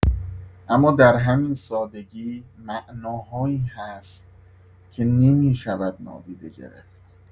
اما در همین سادگی معناهایی هست که نمی‌شود نادیده گرفت.